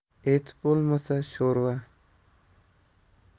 et bo'lmasa sho'rva